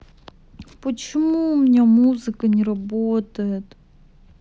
почему у меня музыка не работает